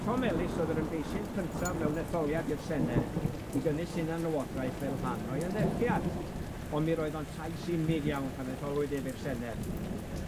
Tom Ellis oedd yr ymgeisydd cynta mewn etholiad i'r Senedd, i gynnwys hunanlywodraeth fel rhan o'i anerchiad, on' mi roedd o'n llais unig iawn pan etholwyd ef i'r Senedd.